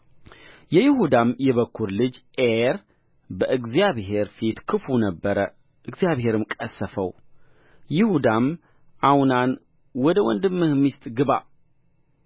የይሁዳም የበኵር ልጅ ዔር በእግዚአብሔር ፊት ክፉ ነበረ እግዚአብሔርም ቀሠፈው ይሁዳም አውናን ወደ ወንድምህ ሚስት ግባ